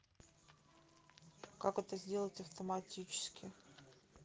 как это сделать автоматически